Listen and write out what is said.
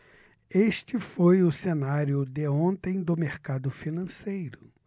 este foi o cenário de ontem do mercado financeiro